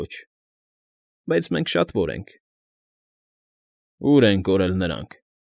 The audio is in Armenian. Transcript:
Ոչ։ Բայց մենք շատվոր ենք… ֊ Ո՞ւր են կորել նրանք։